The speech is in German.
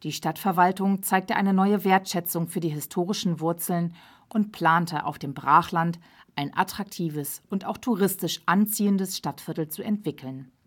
Stadtverwaltung zeigte eine neue Wertschätzung für die historischen Wurzeln und plante, auf dem Brachland ein attraktives und auch touristisch anziehendes Stadtviertel zu entwickeln